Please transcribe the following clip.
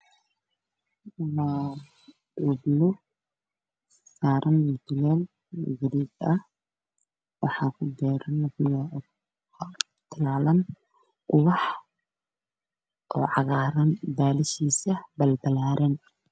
Waa ubax cagaaran meesha hoose waa gaduud